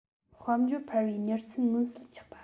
དཔལ འབྱོར འཕར བའི མྱུར ཚད མངོན གསལ ཆག པ